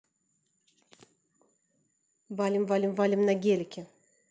валим валим валим на гелике